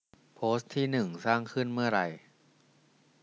โพสต์ที่หนึ่งสร้างขึ้นเมื่อไร